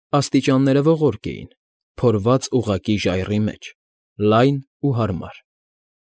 Աստիճանները ողորկ էին, փորված ուղղակի ժայռի մեջ, լայն ու հարմար։